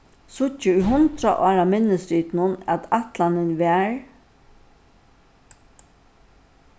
síggi í hundrað ára minnisritinum at ætlanin var